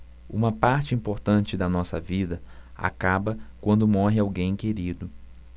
uma parte importante da nossa vida acaba quando morre alguém querido